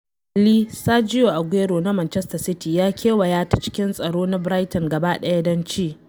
Kalli: Sergio Aguero na Manchester City ya kewaya ta cikin tsaro na Brighton gaba ɗaya don ci